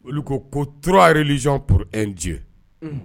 Olu ko kourare yɔnpur ej